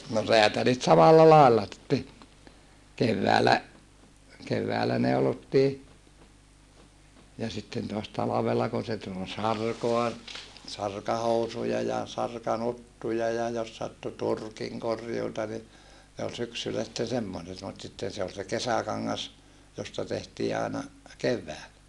no räätälit samalla lailla keväällä keväällä neulottiin ja sitten taas talvella kun se tuli sarkaa sarkahousuja ja sarkanuttuja ja jos sattui turkin korjuuta niin ne oli syksyllä sitten semmoiset mutta sitten se oli se kesäkangas josta tehtiin aina keväällä